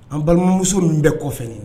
An balimamuso min bɛɛ kɔ kɔfɛ nin ye.